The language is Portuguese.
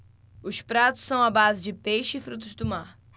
os pratos são à base de peixe e frutos do mar